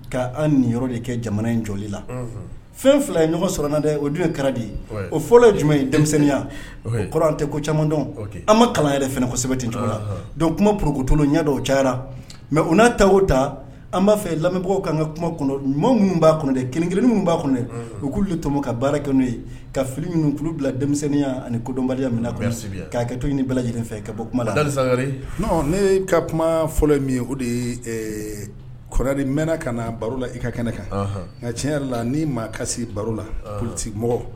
Ka an ni yɔrɔ de kɛ jamana in jɔ la fɛn fila ye ɲɔgɔn sɔrɔ dɛ o dun ye ka de ye o fɔlɔ jumɛn ye denmisɛnninya kɔrɔ an tɛ ko camandɔn an ma kalan yɛrɛ f kɔ kosɛbɛ cogo la don kuma porotu ɲɛda o cayara mɛ u n'a ta o ta an b'a fɛ lamɛnbagaw ka ka kuma kɔnɔ ɲuman minnu b'a kun dɛ kelen keleninin b ba kun dɛ u k'uolu tɔmɔ ka baara kɛ n'o ye ka fili ninnu bila denmisɛnninya ani ni kodɔnbaliya minɛ k'a kɛ to ni bala lajɛlen fɛ ka bɔ kuma la ne ka kuma fɔlɔ min ye o de ye kɔrɔri mɛn ka na baro la i ka kɛnɛ kan nka tiɲɛ yɛrɛri la ni ma kasi baro la p mɔgɔ